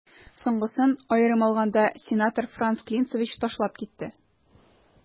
Соңгысын, аерым алганда, сенатор Франц Клинцевич ташлап китте.